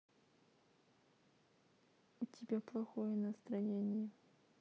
у тебя плохое настроение